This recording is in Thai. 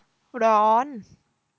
ร้อน